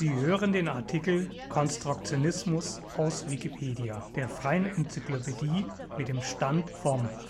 hören den Artikel Konstruktionismus, aus Wikipedia, der freien Enzyklopädie. Mit dem Stand vom